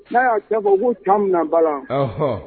N'a y'a kɛ bɔbugu tan minɛ bala hhɔn